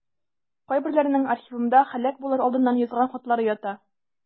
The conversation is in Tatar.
Кайберләренең архивымда һәлак булыр алдыннан язган хатлары ята.